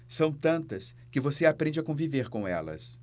são tantas que você aprende a conviver com elas